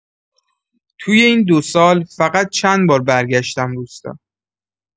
توی این دو سال، فقط چند بار برگشتم روستا.